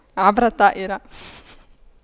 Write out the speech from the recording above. عبر الطائرة